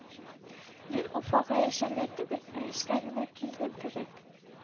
Мин Уфага яшәргә түгел, ә эшкә генә килдем кебек